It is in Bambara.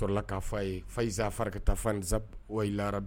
Faa ka taa la